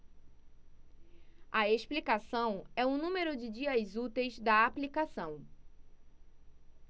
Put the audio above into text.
a explicação é o número de dias úteis da aplicação